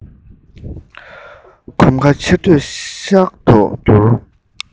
གོམ ཁ ཕྱིར སྡོད ཤག ཏུ བསྒྱུར